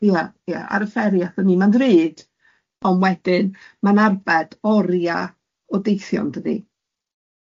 Ia, ia, ar y fferi aethon ni, mae'n ddrud, ond wedyn mae'n arbed oriau o deithio yndydi?